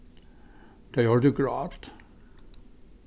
tey hoyrdu grát